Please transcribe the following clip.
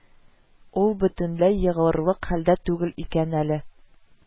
Ул бөтенләй егылырлык хәлдә түгел икән әле